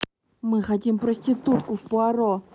мы хотим проститутку в пуаро